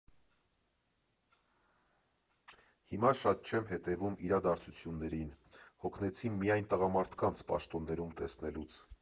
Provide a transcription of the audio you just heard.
Հիմա շատ չեմ հետևում իրադարձություններին, հոգնեցի միայն տղամարդկանց պաշտոններում տեսնելուց։